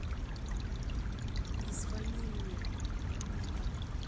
не звони мне ramil'